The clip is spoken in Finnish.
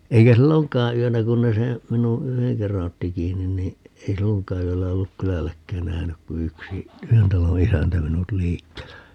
eikä silloinkaan yönä kun ne se minun yhden kerran otti kiinni niin ei silloinkaan yöllä ollut kylälläkään nähnyt kuin yksi yhden talon isäntä minut liikkeellä